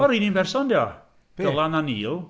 O yr un un person ydy o. Dylan a Neil.